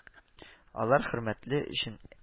Алар хөрмәтле өчен